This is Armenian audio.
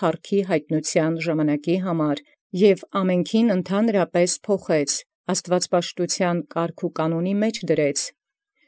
Նաւթճեաց. և զամենայն միանգամայն յաստուածապաշտութեան պայման անդր փոխեաց։